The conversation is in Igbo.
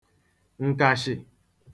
ǹkàshị̀